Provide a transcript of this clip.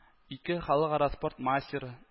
Ике халыкара спорт мастеры